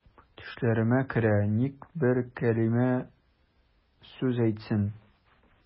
Төшләремә керә, ник бер кәлимә сүз әйтсен.